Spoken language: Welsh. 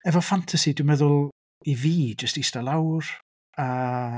Efo ffantasi dwi'n meddwl i fi jyst ista lawr, a...